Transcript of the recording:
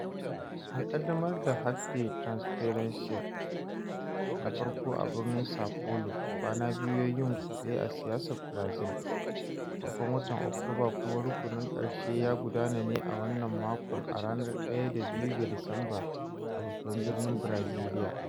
An ƙaddamar da Hackday Transparência [Transparency] na farko a birnin São Paulo, “kwana biyu don yin kutse a siyasar Barazil”, a farkon watan Oktoba, kuma rukunin ƙarshe ya gudana ne a wannan makon, a ranar 1 da 2 ga Disamba, a babban birnin Baraziliya.